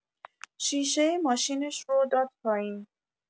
شیشه ماشینش رو داد پایین